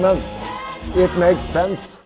men .